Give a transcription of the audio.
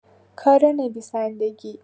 کار نویسندگی